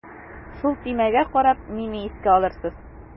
Шул төймәгә карап мине искә алырсыз.